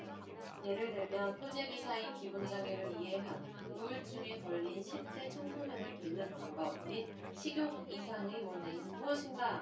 예를 들면 표제 기사인 기분 장애를 이해함 우울증에 걸린 십대 청소년을 돕는 방법 및 식욕 이상의 원인은 무엇인가